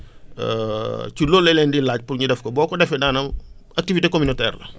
ci loolu la ñu leen di laaj pour ñu def ko boo ko defee maanaam activité communautaire la